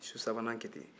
su sabanan kɛ ten